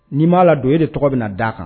N'i m'a la don e de tɔgɔ bɛ na d'a kan